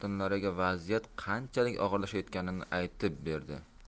xotinlariga vaziyat qanchalik og'irlashayotganini aytib berdi